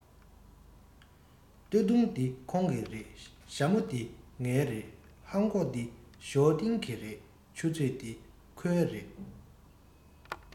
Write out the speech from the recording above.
སྟོད ཐུང འདི ཁོང གི རེད ཞྭ མོ འདི ངའི རེད ལྷམ གོག འདི ཞའོ ཏིང གི རེད ཆུ ཚོད འདི ཁོའི རེད